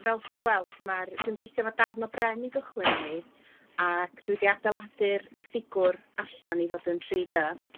fel ti'n gweld ma'r dwi'n gweithio efo darn o bren i gychwyn arni, ac dwi 'di adeiladu'r ffigwr allan i fod yn tri dy.